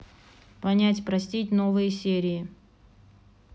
понять простить новые серии